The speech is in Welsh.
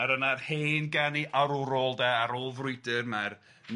A ryna'r rhai'n ganu ar arwrol de, ar ôl frwydr, mae'r milwyr